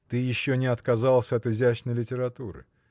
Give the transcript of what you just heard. – Ты еще не отказался от изящной литературы?